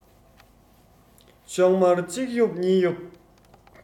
ཤོག དམར གཅིག གཡོབ གཉིས གཡོབ